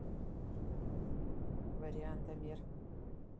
вариант амер